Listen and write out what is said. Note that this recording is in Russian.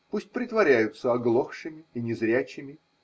Пусть притворяются оглохшими и незрячими.